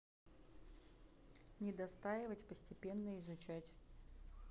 не достаивать постепенно изучать